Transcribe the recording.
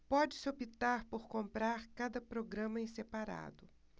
pode-se optar por comprar cada programa em separado